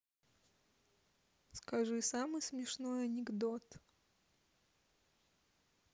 скажи самый смешной анекдот